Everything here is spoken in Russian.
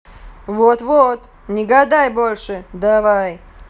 вот вот не гадай больше давай